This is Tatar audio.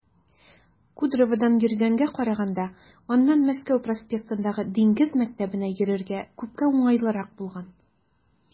Кудроводан йөргәнгә караганда аннан Мәскәү проспектындагы Диңгез мәктәбенә йөрергә күпкә уңайлырак булган.